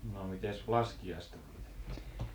no mitenkäs laskiaista vietettiin